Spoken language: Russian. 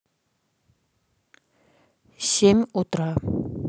семь утра